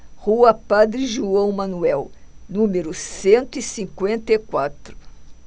rua padre joão manuel número cento e cinquenta e quatro